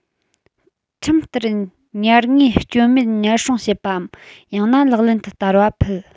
ཁྲིམས ལྟར ཉར དངོས སྐྱོན མེད ཉར སྲུང བྱེད པའམ ཡང ན ལག ལེན དུ བསྟར བ ཕུད